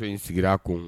In sigira kun